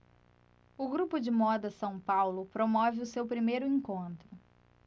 o grupo de moda são paulo promove o seu primeiro encontro